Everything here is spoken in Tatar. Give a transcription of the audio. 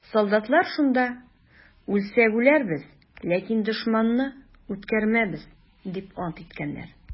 Солдатлар шунда: «Үлсәк үләрбез, ләкин дошманны үткәрмәбез!» - дип ант иткәннәр.